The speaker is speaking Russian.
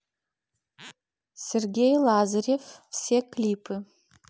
сергей лазарев все клипы